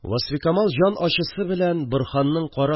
Васфикамал җан ачысы белән Борһанның кара